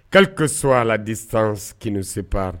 Kali ka so a la di san kisip